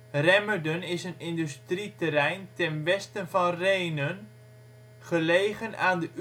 Remmerden is een industrieterrein ten westen van Rhenen, gelegen aan de